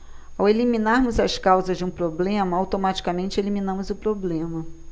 ao eliminarmos as causas de um problema automaticamente eliminamos o problema